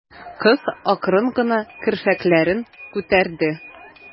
Кыз акрын гына керфекләрен күтәрде.